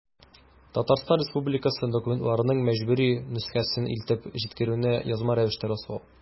Татарстан Республикасы документларының мәҗбүри нөсхәсен илтеп җиткерүне язма рәвештә раслау.